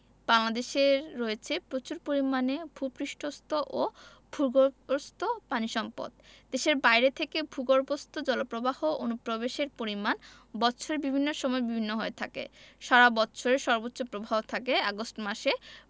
বাংলাদেশের রয়েছে প্রচুর পরিমাণে ভূ পৃষ্ঠস্থ ও ভূগর্ভস্থ পানি সম্পদ দেশের বাইরে থেকে ভূ পৃষ্ঠস্থ জলপ্রবাহ অনুপ্রবেশের পরিমাণ বৎসরের বিভিন্ন সময়ে বিভিন্ন হয়ে থাকে সারা বৎসরের সর্বোচ্চ প্রবাহ থাকে আগস্ট মাসে